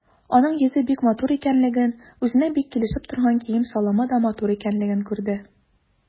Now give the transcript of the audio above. Аның йөзе бик матур икәнлеген, үзенә бик килешеп торган кием-салымы да матур икәнлеген күрде.